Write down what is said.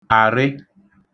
àrị